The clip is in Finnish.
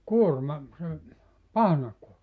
kuorma se pahnakuorma